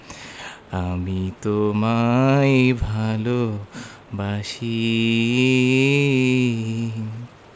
আমি তোমায় ভালোবাসি